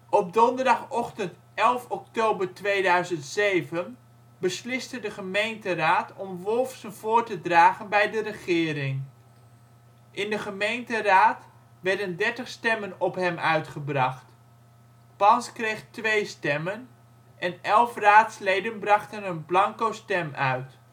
Op donderdagochtend 11 oktober 2007 besliste de gemeenteraad om Wolfsen voor te dragen bij de regering. In de gemeenteraad werden dertig stemmen op hem uitgebracht. Pans kreeg twee stemmen en elf raadsleden brachten een blanco stem uit